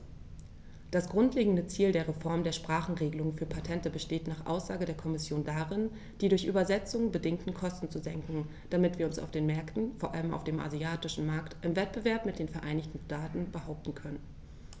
Das grundlegende Ziel der Reform der Sprachenregelung für Patente besteht nach Aussage der Kommission darin, die durch Übersetzungen bedingten Kosten zu senken, damit wir uns auf den Märkten, vor allem auf dem asiatischen Markt, im Wettbewerb mit den Vereinigten Staaten behaupten können.